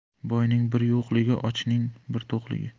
boyning bir yo'qligi ochning bir to'qhgi